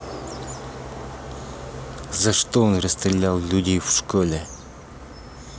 за что он расстрелял людей в школе